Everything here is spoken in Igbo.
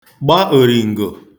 gba òrìǹgò